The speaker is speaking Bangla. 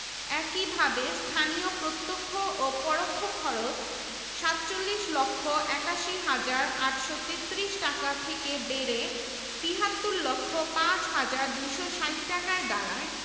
নবাব সৈয়দ নওয়াব আলী চৌধুরী নবাব সিরাজুল ইসলাম ঢাকার জমিদার ও উকিল আনন্দচন্দ্র রায় ঢাকা কলেজের অধ্যক্ষ ডব্লিউ.এ.টি আর্চবোল্ড